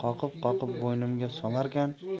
qoqib qoqib bo'ynimga solarkan